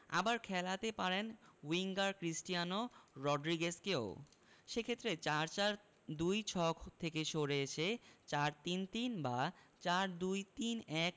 আবার খেলাতে পারেন উইঙ্গার ক্রিস্টিয়ান রড্রিগেজকেও সে ক্ষেত্রে ৪ ৪ ২ ছক থেকে সরে এসে ৪ ৩ ৩ বা ৪ ২ ৩ ১